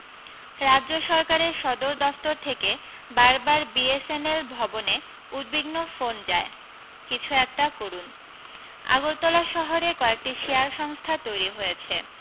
রাজ্য সরকারের সদর দফতর থেকে বারবার বিএসেনেল ভবনে উদ্বিগন ফোন যায় কিছু একটা করুণ আগরতলা শহরে কয়েকটি শেয়ার সংস্থা তৈরী হয়েছে